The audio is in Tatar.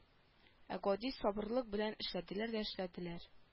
Ә гади сабырлык белән эшләделәр дә эшләделәр